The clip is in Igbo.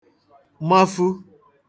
mafu